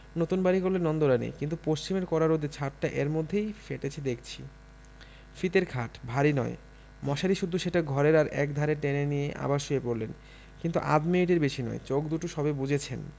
নতুন বাড়ি করলে নন্দরানী কিন্তু পশ্চিমের কড়া রোদে ছাতটা এর মধ্যেই ফেটেচে দেখচি ফিতের খাট ভারী নয় মশারি সুদ্ধ সেটা ঘরের আর একধারে টেনে নিয়ে গিয়ে আবার শুয়ে পড়লেন কিন্তু আধ মিনিটের বেশি নয় চোখ দুটি সবে বুজেছেন